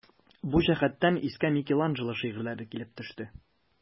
Бу җәһәттән искә Микеланджело шигырьләре килеп төште.